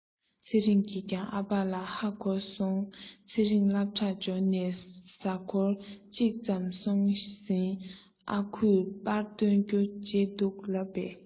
ཚེ རིང གིས ཀྱང ཨ ཕ ལ ཧ གོ སོང ཚེ རིང སློབ གྲྭར འབྱོར ནས གཟའ འཁོར གཅིག ཙམ སོང ཟིན ཨ ཁུས པར བཏོན རྒྱུ བརྗེད འདུག ལབ པས